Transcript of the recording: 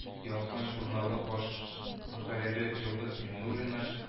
«ялкын» журналы баш мөхәррире йолдыз миңнуллина